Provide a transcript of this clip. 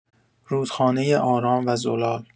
رودخانه آرام و زلال